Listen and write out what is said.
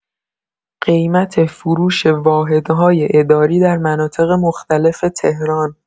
قیمت فروش واحدهای اداری در مناطق مختلف تهران